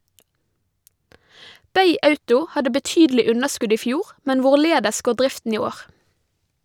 - Bay Auto hadde betydelig underskudd i fjor , men hvorledes går driften i år?